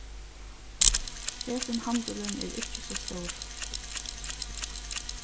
hesin handilin er ikki so stórur